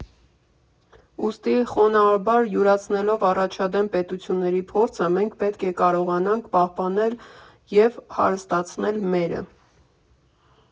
Ուստի խոնարհաբար յուրացնելով առաջադեմ պետությունների փորձը՝ մենք պետք է կարողանանք պահպանել և հարստացնել մերը։